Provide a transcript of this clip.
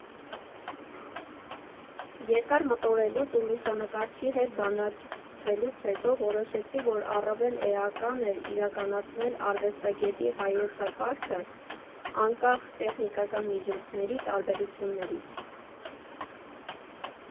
Երկար մտորելուց ու լուսանկարչի հետ բանակցելուց հետո, որոշեցի, որ առավել էական էր իրականացնել արվեստագետի հայեցակարգը՝ անկախ տեխնիկական միջոցների տարբերություններից։